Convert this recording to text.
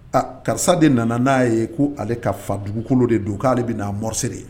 Aa karisa de nana n'a ye ko ale ka fa dugukolo de don k'ale bɛ'a morisi de ye